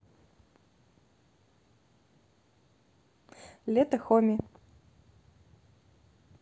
лето homie